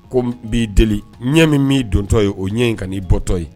Ko b'i deli ɲɛ min'i dontɔ ye o ɲɛ in ka'i bɔtɔ ye